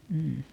mm mm